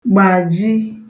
gbàji